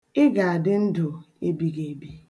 Ị ga-adị ndụ ebighiebi.